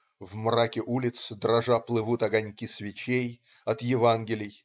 В мраке улиц, дрожа, плывут огоньки свечей - от евангелий.